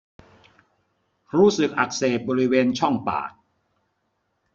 รู้สึกอักเสบบริเวณช่องปาก